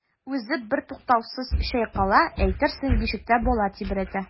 Үзе бертуктаусыз чайкала, әйтерсең бишектә бала тибрәтә.